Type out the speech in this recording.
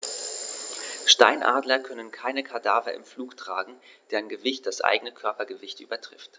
Steinadler können keine Kadaver im Flug tragen, deren Gewicht das eigene Körpergewicht übertrifft.